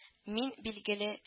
— мин билгеле